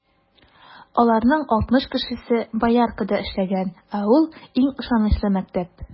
Аларның алтмыш кешесе Бояркада эшләгән, ә ул - иң ышанычлы мәктәп.